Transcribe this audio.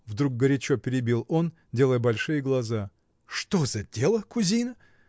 — вдруг горячо перебил он, делая большие глаза. — Что за дело, кузина!